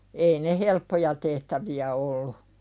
ei ne helppoja tehtäviä ollut